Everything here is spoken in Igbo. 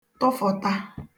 tụfụ̀ta